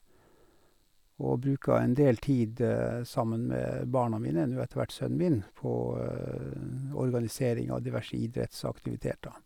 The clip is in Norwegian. Og bruker en del tid sammen med barna mine, nå etter hvert sønnen min, på organisering av diverse idrettsaktiviteter.